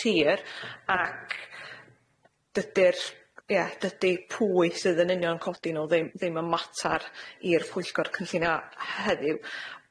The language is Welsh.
tir ac dydi'r ia dydi pwy sydd yn union codi nw ddim ddim yn matar i'r pwyllgor cynllunio heddiw.